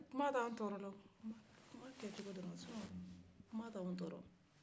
kuma t'an tɔrɔ dɛ kuma kɛ cogo de don